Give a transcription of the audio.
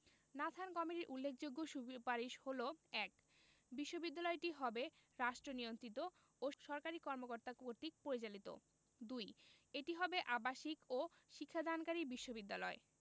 Nathan কমিটির উল্লেখযোগ্য সুপারিশ হলো: ১. বিশ্ববিদ্যালয়টি হবে রাষ্ট্রনিয়ন্ত্রিত ও সরকারি কর্মকর্তা কর্তৃক পরিচালিত ২. এটি হবে আবাসিক ও শিক্ষাদানকারী বিশ্ববিদ্যালয়